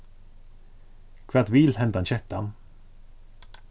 hvat vil hendan kettan